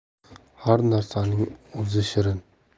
har narsaning ozi shirin